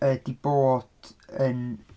Yy 'di bod yn...